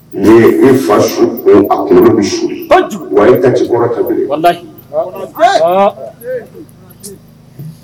Ni e fa su su wakɔrɔ